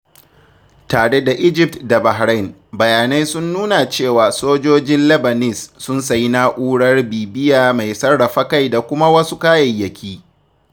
Tare da Egypt da Bahrain, bayanai sun nuna cewa, Sojojin Labanese sun sayi Na'urar Bibiya Mai Sarrafa Kai da kuma wasu kayayyaki.